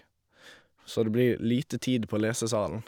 Så det blir lite tid på lesesalen.